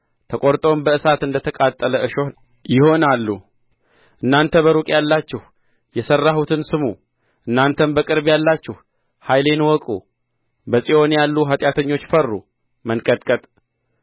ተቈርጦም በእሳት እንደ ተቃጠለ እሾህ ይሆናሉ እናንተ በሩቅ ያላችሁ የሠራሁትን ስሙ እናንተም በቅርብ ያላችሁ ኃይሌን እወቁ በጽዮን ያሉ ኃጢአተኞች ፈሩ መንቀጥቀጥ